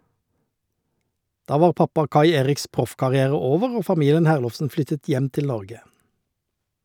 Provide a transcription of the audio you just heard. Da var pappa Kai Eriks proffkarriere over, og familien Herlovsen flyttet hjem til Norge.